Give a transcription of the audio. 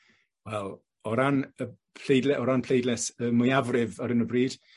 Wel o ran y pleidle- o ran pleidles y mwyafrif ar 'yn o bryd